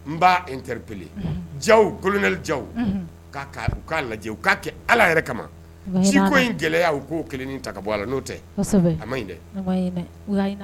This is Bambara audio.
N teriri kelen ja kolonɛli ja k'a lajɛ u k'a kɛ ala yɛrɛ kama jiko in gɛlɛyaya u' kelen ta ka bɔ ala n'o tɛ a ma ɲi dɛ